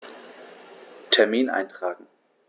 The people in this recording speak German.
Termin eintragen